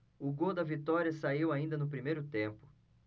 o gol da vitória saiu ainda no primeiro tempo